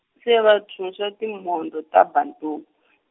se va ntshunxa timhondzo ta Bantomu .